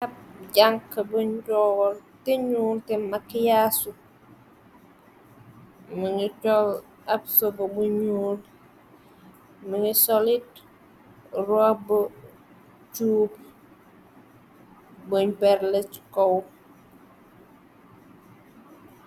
Ab jànqa buñ jool te ñuul te makyaasu mingi col ab sofa buñuul mingi solid rob chuub buñ perrle c cow.